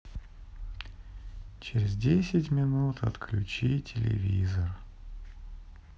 через десять минут отключи телевизор